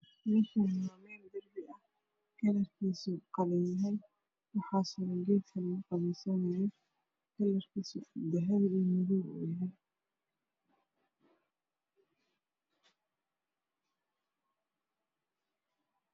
Meeshaani waa meel darbi ah kalarkisa qalin waxaa suran geeska lagu cadayaanaayey kalarkisa madow dahabi yahay